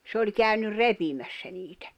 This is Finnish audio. se oli käynyt repimässä niitä